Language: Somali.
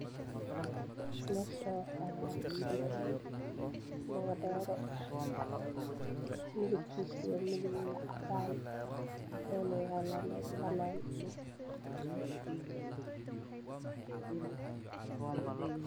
Meeshaan waxaa yaalo surwaal lugadheere ah midabkiisu waa madow iyo cadaan, waxuu yaalaa meel banaan ah.